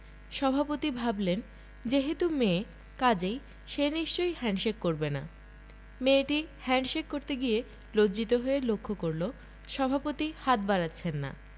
সভাপতি ভাবলেন যেহেতু মেয়ে কাজেই সে নিশ্চয়ই হ্যাণ্ডশেক করবে না মেয়েটি হ্যাণ্ডশেক করতে গিয়ে লজ্জিত হয়ে লক্ষ্য করল সভাপতি হাত বাড়াচ্ছেন না